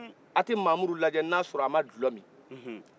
a tɛ mamudu laajɛ n'o ya sɔrɔ a ma gulɔ min